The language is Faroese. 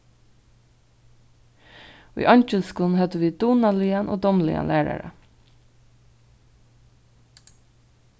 í eingilskum høvdu vit dugnaligan og dámligan lærara